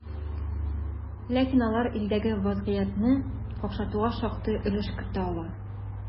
Ләкин алар илдәге вазгыятьне какшатуга шактый өлеш кертә ала.